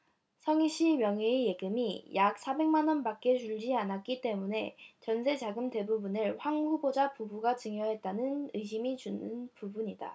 성희씨 명의의 예금이 약 사백 만원밖에 줄지 않았기 때문에 전세자금 대부분을 황 후보자 부부가 증여했다는 의심이 드는 부분이다